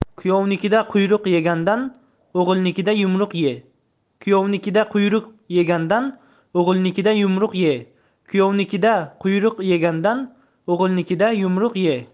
kuyovnikida quyruq yegandan o'g'ilnikida yumruq ye